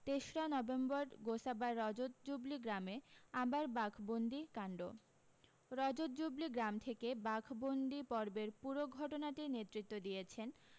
তেশরা November গোসাবার রজতজুবলি গ্রামে আবার বাঘবন্দি কান্ড রজতজুবলি গ্রাম থেকে বাঘ বন্দি পর্বের পুরো ঘটনাটির নেতৃত্ব দিয়েছেন